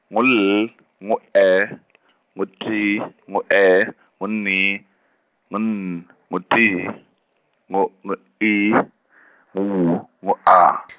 ngu L, ngu E , ngu T, ngu E, ngu ni, ngu N, ngu T, ngu, ngu I , ngu W, ngu A .